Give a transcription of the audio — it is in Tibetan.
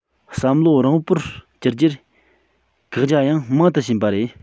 བསམ བློ རེངས པོར གྱུར རྗེས བཀག རྒྱ ཡང མང དུ ཕྱིན པ རེད